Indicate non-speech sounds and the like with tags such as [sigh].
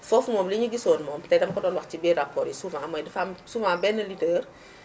foofu moom li ñu gisoon moom te dama ko doon wax ci biir rapports yi souvent mooy dafa am souvent benn leader [inhales]